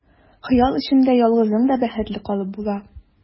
Хыял эчендә ялгызың да бәхетле калып була.